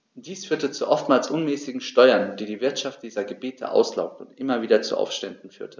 Dies führte zu oftmals unmäßigen Steuern, die die Wirtschaft dieser Gebiete auslaugte und immer wieder zu Aufständen führte.